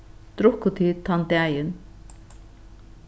drukku tit tann dagin